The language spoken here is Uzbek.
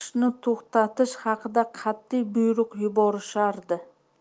ishni to'xtatish haqida qatiy buyruq yuborishardi